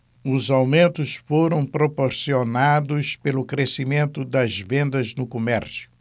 os aumentos foram proporcionados pelo crescimento das vendas no comércio